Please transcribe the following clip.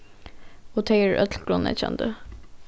og tey eru øll grundleggjandi